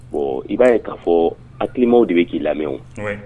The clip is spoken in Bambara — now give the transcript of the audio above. Bon i b'a ye k'a fɔ hakimaw de bɛ k'i lamɛnw